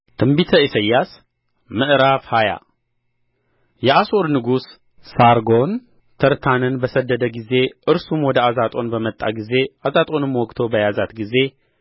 ትንቢተ ኢሳይያስ ምዕራፍ ሃያ የአሦር ንጉሥ ሳርጎን ተርታንን በሰደደ ጊዜ እርሱም ወደ አዛጦን በመጣ ጊዜ አዛጦንም ወግቶ በያዛት ጊዜ